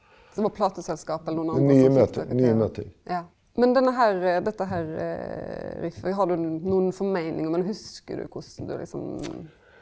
så var plateselskap eller nokon andre ja men denne her dette her riffet, har du nokon formeining om eller hugsar du korleis du liksom ?